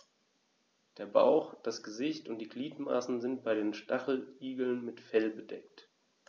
Der Bauch, das Gesicht und die Gliedmaßen sind bei den Stacheligeln mit Fell bedeckt.